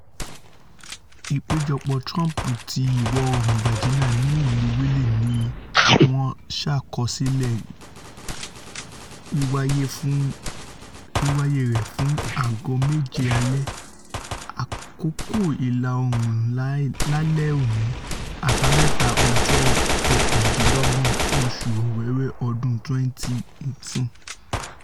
Ìpéjọpọ̀ Trump ti Ìwọ̀-oòrùn Virginia, ní ìlú Wheeling níwọn ṣàkọsílẹ̀ wíwáyé rẹ̀ fún aago méjé alẹ́. Àkókò l̀là-oòrùn lálẹ́ òní, Àbámẹ́ta, ọjọ́ kọkàndínlọ́gbọ̀n oṣù Owewe, ọdún 2018.